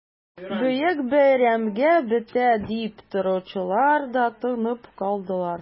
Бөек бәйрәмгә бетә дип торучылар да тынып калдылар...